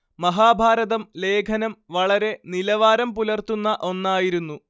മഹാഭാരതം ലേഖനം വളരെ നിലവാരം പുലര്‍ത്തുന്ന ഒന്നായിരുന്നു